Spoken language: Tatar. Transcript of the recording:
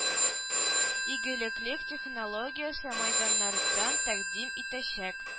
Игелеклелек технологиясе мәйданнардан тәкъдим итәчәк